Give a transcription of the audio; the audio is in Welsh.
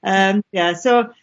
Yym ie so,